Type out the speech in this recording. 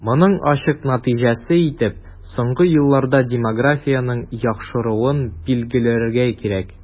Моның ачык нәтиҗәсе итеп соңгы елларда демографиянең яхшыруын билгеләргә кирәк.